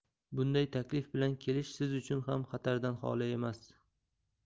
bunday taklif bilan kelish siz uchun ham xatardan xoli emas